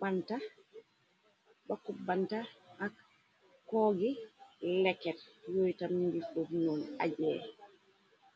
banta, bakku banta ak koogi lekket, yooytam ñingi fufnoon ajee.